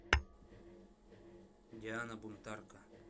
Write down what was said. диана бунтарка